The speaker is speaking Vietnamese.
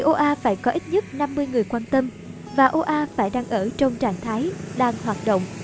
thì oa phải có ít nhất người quan tâm và oa phải đang ở trong trạng thái đang hoạt động